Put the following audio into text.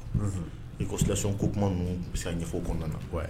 I ko silamɛsɔnon ko kuma ninnu bɛ ɲɛfɔ kɔnɔna